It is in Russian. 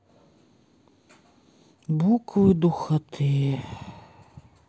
буквы духоты